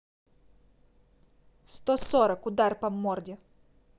сто сорок удар по морде